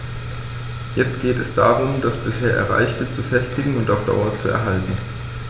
Jetzt geht es darum, das bisher Erreichte zu festigen und auf Dauer zu erhalten.